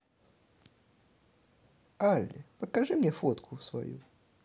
алле покажи фотку мне свою